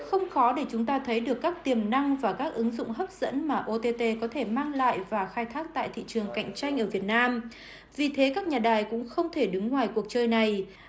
không khó để chúng ta thấy được các tiềm năng và các ứng dụng hấp dẫn mà ô tê tê có thể mang lại và khai thác tại thị trường cạnh tranh ở việt nam vì thế các nhà đài cũng không thể đứng ngoài cuộc chơi này